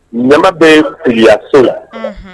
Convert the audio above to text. Ɲama bɛ foliya e la